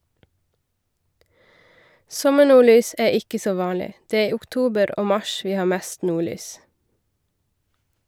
Sommernordlys er ikke så vanlig , det er i oktober og mars vi har mest nordlys.